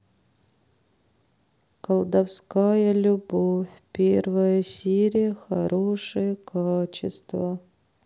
колдовская любовь первая серия хорошее качество